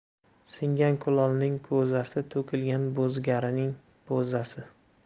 singan kulolning ko'zasi to'kilgan bo'zagarning bo'zasi